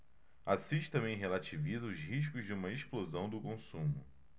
assis também relativiza os riscos de uma explosão do consumo